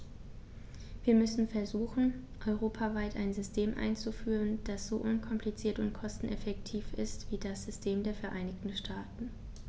Wir müssen versuchen, europaweit ein System einzuführen, das so unkompliziert und kosteneffektiv ist wie das System der Vereinigten Staaten.